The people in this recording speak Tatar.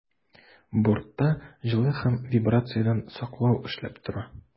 Бортта җылы һәм вибрациядән саклау эшләп тора.